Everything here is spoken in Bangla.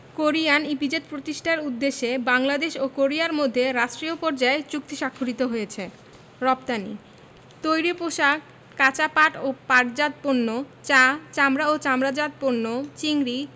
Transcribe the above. কোরিয়ান ইপিজেড প্রতিষ্ঠার উদ্দেশ্যে বাংলাদেশ ও কোরিয়ার মধ্যে রাষ্ট্রীয় পর্যায়ে চুক্তি স্বাক্ষরিত হয়েছে রপ্তানিঃ তৈরি পোশাক কাঁচা পাট ও পাটজাত পণ্য চা চামড়া ও চামড়াজাত পণ্য চিংড়ি